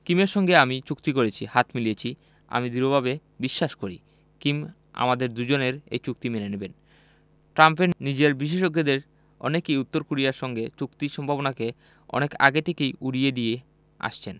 কিমের সঙ্গে আমি চুক্তি করেছি হাত মিলিয়েছি আমি দৃঢ়ভাবে বিশ্বাস করি কিম আমাদের দুজনের এই চুক্তি মেনে চলবেন ট্রাম্পের নিজের বিশেষজ্ঞদের অনেকেই উত্তর কোরিয়ার সঙ্গে চুক্তির সম্ভাবনাকে অনেক আগে থেকেই উড়িয়ে দিয়ে আসছেন